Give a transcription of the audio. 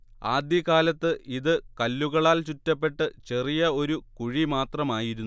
ആദ്യ കാലത്ത് ഇത് കല്ലുകളാൽ ചുറ്റപ്പെട്ട് ചെറിയ ഒരു കുഴി മാത്രമായിരുന്നു